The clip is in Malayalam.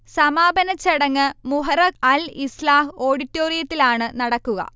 സമാപനച്ചടങ്ങ് മുഹറഖ് അൽ ഇസ്ലാഹ് ഓഡിറ്റോറിയത്തിലാണ് നടക്കുക